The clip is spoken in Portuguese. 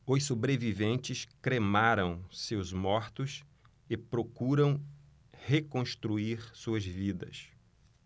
os sobreviventes cremaram seus mortos e procuram reconstruir suas vidas